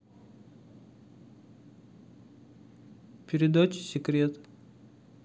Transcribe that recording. передача секрет